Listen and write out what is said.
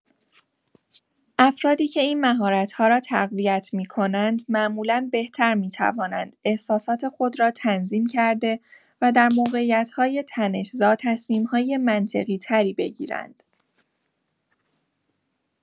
افرادی که این مهارت‌ها را تقویت می‌کنند، معمولا بهتر می‌توانند احساسات خود را تنظیم کرده و در موقعیت‌های تنش‌زا تصمیم‌های منطقی‌تری بگیرند.